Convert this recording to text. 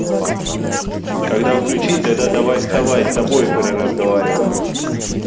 когда включить тогда давай вставай с тобой поразговариваем